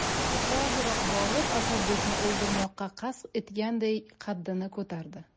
u hoziroq borib asadbekni o'ldirmoqqa qasd etganday qaddini ko'tardi